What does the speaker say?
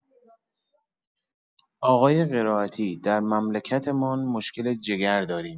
آقای قرائتی: در مملکت‌مان مشکل جگر داریم.